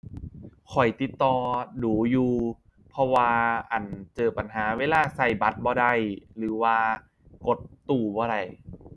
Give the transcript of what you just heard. ข้อยติดต่อดู๋อยู่ เพราะว่า อั่น เจอปัญหาเวลาใช้บัตรบ่ได้ หรือว่ากดตู้บ่ได้